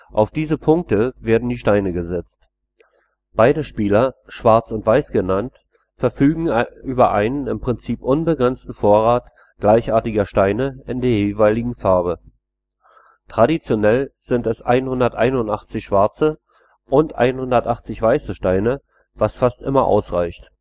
Auf diese Punkte werden die Steine gesetzt. Beide Spieler, Schwarz und Weiß genannt, verfügen über einen im Prinzip unbegrenzten Vorrat gleichartiger Steine in der jeweiligen Farbe. Traditionell sind es 181 schwarze und 180 weiße Steine, was fast immer ausreicht